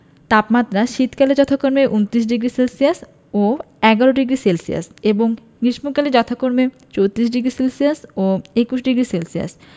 তাপমাত্রা শীতকালে যথাক্রমে ২৯ ডিগ্রি সেলসিয়াস ও ১১ডিগ্রি সেলসিয়াস এবং গ্রীষ্মকালে যথাক্রমে ৩৪ডিগ্রি সেলসিয়াস ও ২১ডিগ্রি সেলসিয়াস